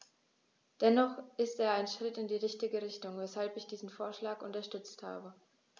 Dennoch ist er ein Schritt in die richtige Richtung, weshalb ich diesen Vorschlag unterstützt habe.